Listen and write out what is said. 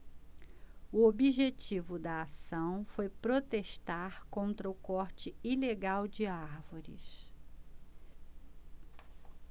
o objetivo da ação foi protestar contra o corte ilegal de árvores